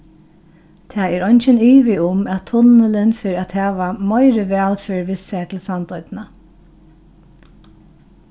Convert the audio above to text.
tað er eingin ivi um at tunnilin fer at hava meiri vælferð við sær til sandoynna